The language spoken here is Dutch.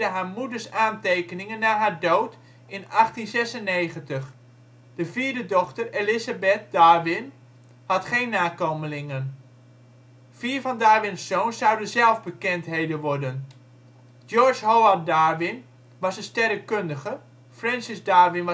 haar moeders aantekeningen na haar dood in 1896. De vierde dochter, Elizabeth " Bessy " Darwin (1847-1926), had geen nakomelingen. Vier van Darwins zoons zouden zelf bekendheden worden. George Howard Darwin (1845-1912) was een sterrenkundige, Francis Darwin